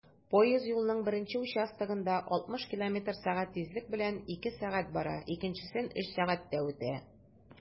Поезд юлның беренче участогында 60 км/сәг тизлек белән 2 сәг. бара, икенчесен 3 сәгатьтә үтә.